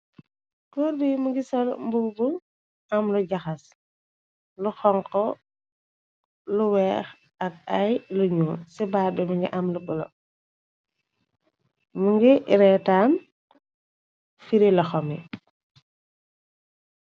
Goor bi mu ngi sol mbubu am lu jaxas, lu xonxu, lu weex ak ay lu ñuul, ci badd bi mingi am lu bula, mu ngi reetaan firi loxom yi.